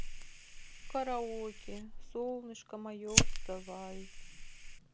караоке солнышко мое вставай